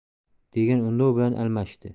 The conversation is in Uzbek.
degan undov bilan almashdi